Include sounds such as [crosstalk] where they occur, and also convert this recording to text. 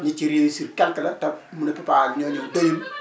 ñi ci réussir quelque la te on ne peut pas ñooñu [crosstalk] téye ñu